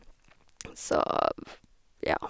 Så, f ja.